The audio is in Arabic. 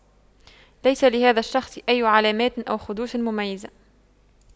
ليس لهذا الشخص أي علامات أو خدوش مميزة